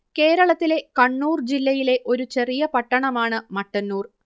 കേരളത്തിലെ കണ്ണൂർ ജില്ലയിലെ ഒരു ചെറിയ പട്ടണമാണ് മട്ടന്നൂർ